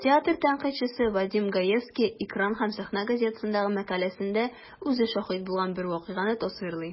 Театр тәнкыйтьчесе Вадим Гаевский "Экран һәм сәхнә" газетасындагы мәкаләсендә үзе шаһит булган бер вакыйганы тасвирлый.